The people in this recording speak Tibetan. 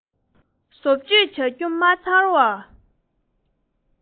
བཟོ བཅོས བྱ རྒྱུ མ ཚར བ